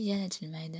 yana jilmaydi